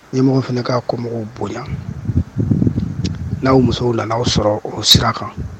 Nimɔgɔ fana ka ko mɔgɔw bonya n'aw musow nana n'aw sɔrɔ o sira kan